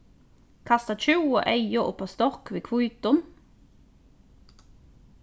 kasta tjúgu eygu uppá stokk við hvítum